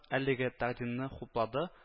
Әлеге тәкъдимне хуплады